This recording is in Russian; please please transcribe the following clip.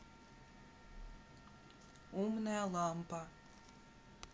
умная лампа